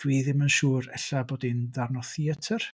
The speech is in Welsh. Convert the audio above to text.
Dwi ddim yn siŵr ella bod hi'n ddarn o theatr.